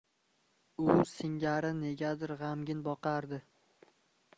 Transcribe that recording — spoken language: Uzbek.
u singari negadir g'amgin boqardi